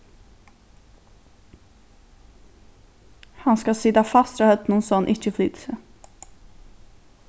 hann skal sita fastur á høvdinum so hann ikki flytur seg